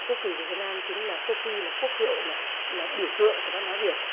quốc kỳ của việt nam chính là quốc huy là quốc hiệu là là biểu tượng của văn hóa việt